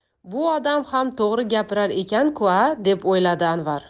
bu odam ham to'g'ri gapirar ekan ku a deb o'yladi anvar